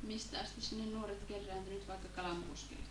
mistä asti sinne nuoret kerääntyi nyt vaikka Kalmukoskellekin